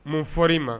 Mun fɔ ma